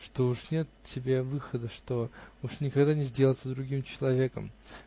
что уж нет тебе выхода, что уж никогда не сделаешься другим человеком